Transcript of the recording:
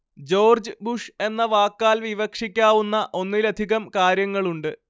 George Bush എന്ന വാക്കാല്‍ വിവക്ഷിക്കാവുന്ന ഒന്നിലധികം കാര്യങ്ങളുണ്ട്